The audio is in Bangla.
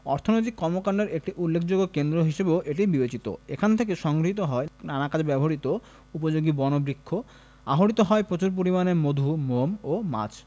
অর্থনৈতিক কর্মকান্ডের একটি উলেখযোগ্য কেন্দ্র হিসেবেও এটি বিবেচিত এখান থেকে সংগৃহীত হয় নানা কাজে ব্যবহার উপযোগী বনবৃক্ষ আহরিত হয় প্রচুর পরিমাণ মধু মোম ও মাছ